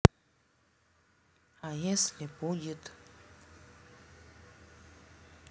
а если будет